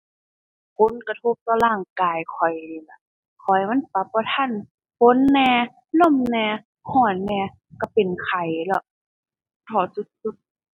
ผลกระทบต่อร่างกายข้อยนี่ล่ะ ข้อยมันปรับบ่ทัน ฝนแหน่ ลมแหน่ ร้อนแหน่ ร้อนเป็นไข้แล้ว ท้อสุดสุด